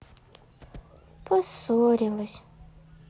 поссорилась